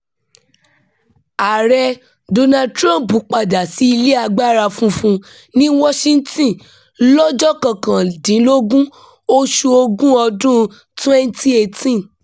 Ààrẹ Donald Trump padà sí Ilé Agbára Funfun ní Washington lọ́jọ́ 19 oṣù Ògún, ọdún-un 2018.